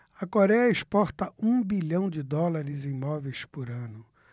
a coréia exporta um bilhão de dólares em móveis por ano